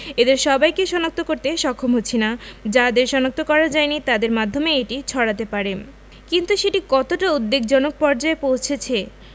এদের সবাইকে শনাক্ত করতে সক্ষম হচ্ছি না যাদের শনাক্ত করা যায়নি তাদের মাধ্যমেই এটি ছড়াতে পারে কিন্তু সেটি কতটা উদ্বেগজনক পর্যায়ে পৌঁছেছে